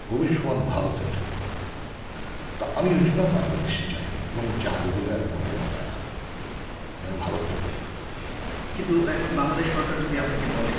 কবির সুমন ভারতের তো আমি ও জন্য আর বাংলাদেশ যাইনি রুম যাব বলে আর মনেও হয় না আমি ভারতের লোক এখন বাংলাদেশ সরকার যদি আপনাকে বলে